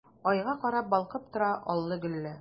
Айга карап балкып тора аллы-гөлле!